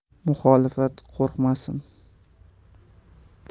muxolifat qo'rqmasin